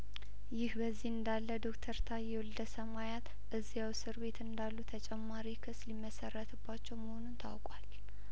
ይህ በዚህ እንዳለ ዶክተር ታዬ ወልደሰማያት እዚያው እስር ቤት እንዳሉ ተጨማሪ ክስ ሊመሰረትባቸው መሆኑን ታውቋል